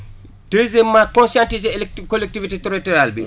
deuxièment conscientiser cvollectivité territoriale bi